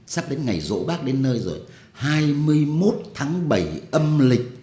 sắp đến ngày giỗ bác đến nơi rồi hai mươi mốt tháng bảy âm lịch